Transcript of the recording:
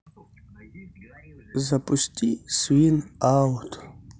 запусти свин аут